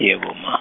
yebo ma.